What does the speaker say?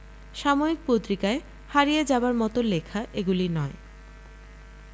সাময়িক পত্রিকায় হারিয়ে যাবার মত লেখা এগুলি নয়